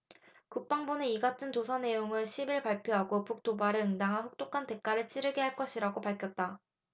국방부는 이 같은 조사내용을 십 일 발표하고 북 도발에 응당한 혹독한 대가를 치르게 할 것이라고 밝혔다